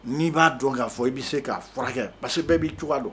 N'i b'a dɔn k'a fɔ i bɛ se k'a furakɛ pa bɛɛ b'i cogoya dɔn